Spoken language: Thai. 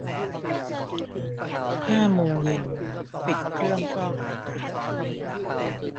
ห้าโมงเย็นปิดเครื่องฟอกอากาศ